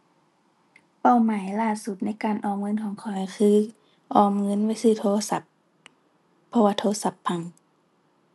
เป้าหมายล่าสุดในการออมเงินของข้อยก็คือ ออมเงินไว้ซื้อโทรศัพท์ เพราะว่าโทรศัพท์พัง